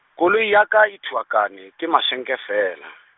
koloi ya ka e thuakane, ke masenke feela.